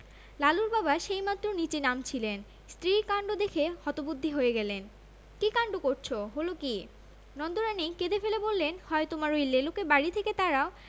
লালুর বাবা সেইমাত্র নীচে নামছিলেন স্ত্রীর কাণ্ড দেখে হতবুদ্ধি হয়ে গেলেন কি কাণ্ড করচ হলো কি নন্দরানী কেঁদে ফেলে বললেন হয় তোমার ঐ লেলোকে বাড়ি থেকে তাড়াও